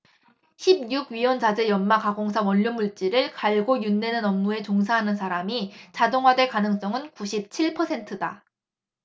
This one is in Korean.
십 육 위원자재 연마 가공사 원료물질을 갈고 윤내는 업무에 종사하는 사람이 자동화될 가능성은 구십 칠 퍼센트다